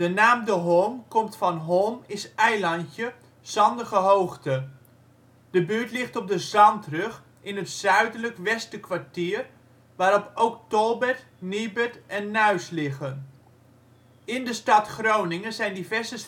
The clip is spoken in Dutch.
naam De Holm komt van Holm = eilandje, zandige hoogte. De buurt ligt op de zandrug in het zuidelijk Westerkwartier, waarop ook Tolbert, Niebert en Nuis liggen. In de stad Groningen zijn diverse